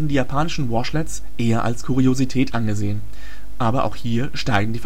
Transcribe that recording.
japanischen Washlets eher als Kuriosität angesehen. Aber auch hier steigen